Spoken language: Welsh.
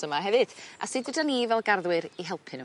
A sud ydan ni fel garddwyr i helpu n'w?